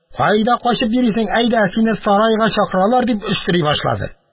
Кайда качып йөрисең, әйдә, сине сарайга чакыралар, – дип өстери башлады.